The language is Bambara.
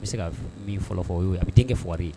N bɛ se ka min fɔlɔ fɔ o y'o ye , a bɛ den kɛ fugari ye.!